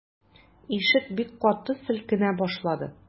Ишек бик каты селкенә башлады.